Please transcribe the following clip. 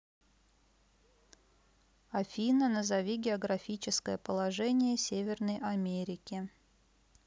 афина назови географическое положение северной америки